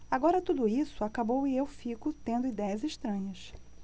agora tudo isso acabou e eu fico tendo idéias estranhas